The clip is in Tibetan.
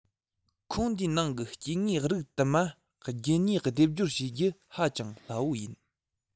ཁོངས དེའི ནང གི སྐྱེ དངོས རིགས དུ མ རྒྱུད གཉིས སྡེབ སྦྱོར བྱེད རྒྱུ ཧ ཅང སླ པོ ཡིན